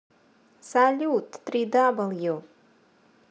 салют www